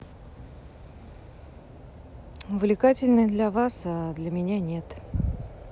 увлекательный для вас а для меня нет